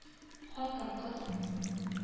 Хатын-кыз